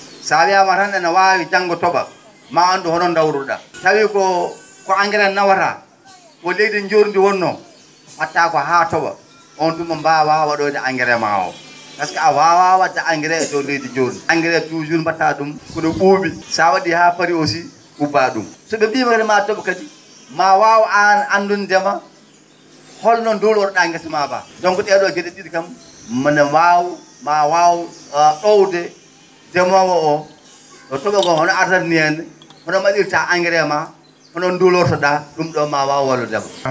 so a wiyaama tan ene waawi janngo to?a maa a anndu hono dawru?aa tawi ko ko engrais nawataa ko leydi njoorndi wonno padataa ko haa to?a on tuma mbaawaa wa?oyde engrais maa oo pasque a waawaa wa?de engrais dow leydi njoorndi engrais toujours mba?ataa ?um ko?o ?uu?i sa wa?i haa a parii aussi ubbaa ?um so ?e ?iima ene to?a kadi ma waaw kadi anndindema holno duulorto?aa ngesa ma mbaa donc ?e?o ge?e ?i?i kam mo?e mbaaw ma wawa ?owde ndemoowo oo no to?o ngo hono ardata ni henna hono mba?irta engrais ma hono nduulorto ?a ?um ?o ma waaw walludema